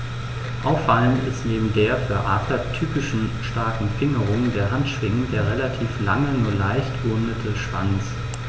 Auffallend ist neben der für Adler typischen starken Fingerung der Handschwingen der relativ lange, nur leicht gerundete Schwanz.